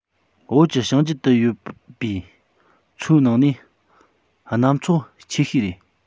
བོད ཀྱི བྱང རྒྱུད དུ ཡོད པའི མཚོའི ནང ནས གནམ མཚོ ཆེ ཤོས རེད